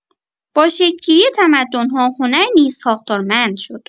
با شکل‌گیری تمدن‌ها، هنر نیز ساختارمند شد.